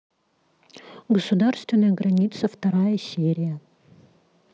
государственная граница вторая серия